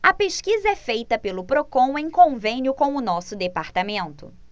a pesquisa é feita pelo procon em convênio com o diese